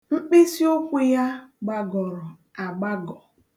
Mkpịsịụkwụ ya gbagọrọ agbagọ.